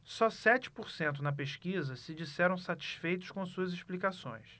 só sete por cento na pesquisa se disseram satisfeitos com suas explicações